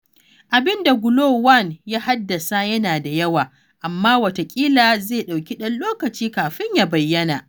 Abin da Glo-1 ya haddasa yana da yawa, amma wataƙila zai ɗauki ɗan lokaci kafin ya bayyana.